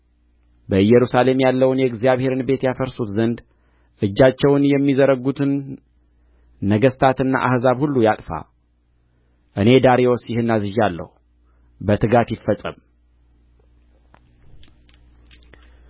በኢየሩሳሌም ያለውንም የእግዚአብሔርን ቤት ያፈርሱት ዘንድ እጃቸውን የሚዘረጉትን ነገሥታትና አሕዛብ ሁሉ ያጥፋ እኔ ዳርዮስ ይህን አዝዣለሁ በትጋት ይፈጸም